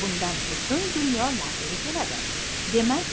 bundan butun dunyo larzaga keladidemak